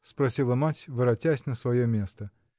– спросила мать, воротясь на свое место.